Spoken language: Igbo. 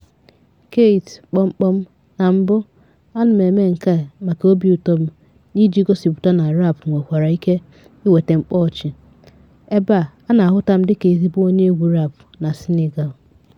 Keyti : Na mbụ ana m eme nke a maka obiụtọ m na iji gosịpụta na raapụ nwekwara ike iweta mkpaọchị, ebe a na-ahụta m dịka ezigbo onyeegwu raapụ na Senegal.